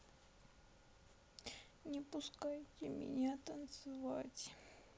не пускайте меня снова танцевать